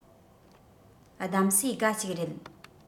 གདམས གསེས དགའ ཞིག རེད